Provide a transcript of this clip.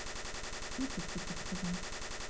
Итек тотып чыга.